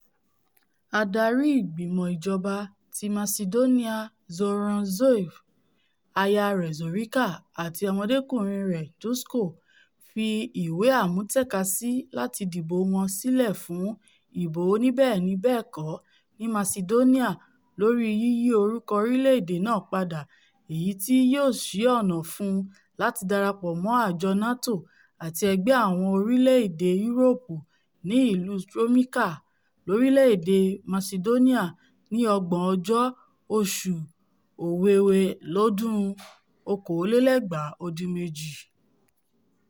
Adarí Ìgbìmọ Ìjọba ti Masidóníà Zoran Zaev, aya rẹ̀ Zorica àti ọmọdékùnrin rẹ̀ Dushko fi ìwé àmútẹ̀kasí láti dìbò wọn sílẹ̀ fún ìbò oníbẹ́ẹ̀ni-bẹ́ẹ̀kọ́ ní Masidónía lori yíyí orúkọ orílẹ̀-èdè náà pada èyití yóò sí ọ̀nà fún un láti darapọ mọ àjọ NATO àti Ẹgbẹ́ Àwọn Orilẹ'ede Yuroopu ní ìlú Strumica, lorílẹ̀-èdè Masidóníà ni ọgbọ̀nọ́jọ́ oṣù Owewe ĺọ̀dún 2018.